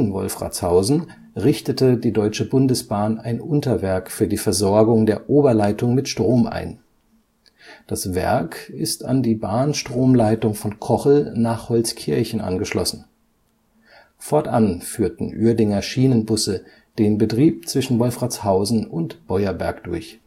Wolfratshausen richtete die Deutsche Bundesbahn ein Unterwerk für die Versorgung der Oberleitung mit Strom ein. Das Werk ist an die Bahnstromleitung von Kochel nach Holzkirchen angeschlossen. Fortan führten Uerdinger Schienenbusse den Betrieb zwischen Wolfratshausen und Beuerberg durch